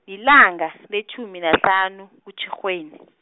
yilanga, letjhumi nahlanu, kuTjhirhweni.